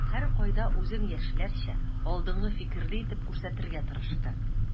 Һәркайда үзен яшьләрчә, алдынгы фикерле итеп күрсәтергә тырышты.